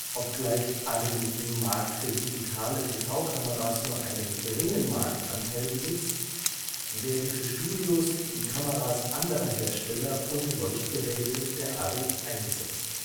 Obgleich Arri im Markt für digitale TV-Kameras nur einen geringen Marktanteil besitzt, werden für Studios die Kameras anderer Hersteller und Leuchtgeräte der Arri eingesetzt